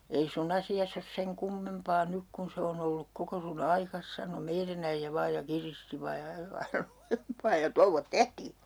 ei sinun asiasi ole sen kummempaa nyt kun se on ollut koko sinun aikasi sanoi meidän äijä vain ja kiristi vain ja ajoi aina lujempaa ja touot tehtiin